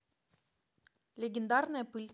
легендарная пыль